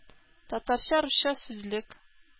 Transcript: Татарча-русча сүзлек